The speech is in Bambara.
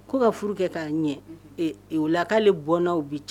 Ko ka furu kɛ k' ɲɛ lakaale bɔnnaw bɛ ca